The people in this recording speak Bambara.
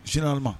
Sinima